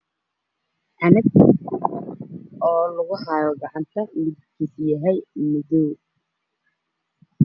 Meeshan waxa iga muuqdo gacan lagu hayo miro midnimo